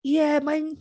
Ie mae'n...